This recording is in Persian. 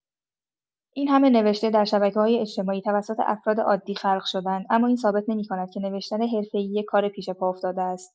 این همه نوشته در شبکه‌های اجتماعی توسط افراد عادی خلق شده‌اند، اما این ثابت نمی‌کند که نوشتن حرفه‌ای یک کار پیش پا افتاده است.